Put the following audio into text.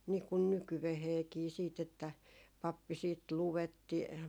niin kuin nykyäänkin sitten että pappi sitten luetti